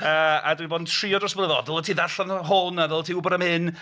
Yy a dwi 'di bod yn trio dros y blynyddoedd "dylet ti ddarllen hwn a ddylet ti wybod am hyn"